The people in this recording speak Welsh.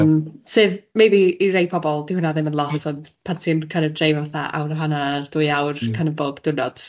Yym sydd maybe i rei pobl dyw hwnna ddim yn lot... Mm. ...ond pan ti'n kind of dreifo fatha awr a hanner, dwy awr kind of bob diwrnod... M-hm.